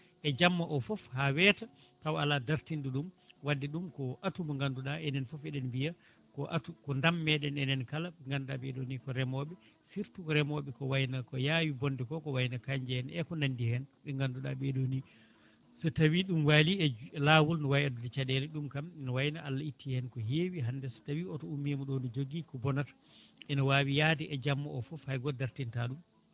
e jamma o foof ha weeta tawa ala dartinɗo ɗum wadde ɗum ko atout mo ganduɗa enen foof eɗen mbiya ko atout ko daam meɗen en kala ganduɗa ɓeeɗoni ko remoɓe surtout ko remoɓe ko yaawi bonde ko ko wayno canjje eko nandi hen ɓe ganduɗa ɓeeɗo ni so tawi ɗum waali e laawol ne wawi addude caɗele ɗum kam ne wayno Allah itti hen ko heewi hande so tawi auto ummima ɗo no jogui ko bonata ene wawi yaade e jammma o foof haygoto dartinta ɗum